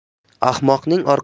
ahmoqning orqasida bir